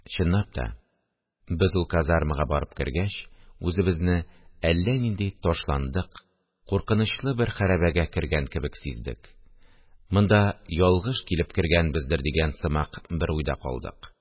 Чынлап та, без ул казармага барып кергәч, үзебезне әллә нинди ташландык, куркынычлы бер хәрабәгә кергән кебек сиздек, монда ялгыш килеп кергәнбездер дигән сымак бер уйда калдык